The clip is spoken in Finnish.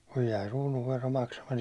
kun jäi kruununvero maksamatta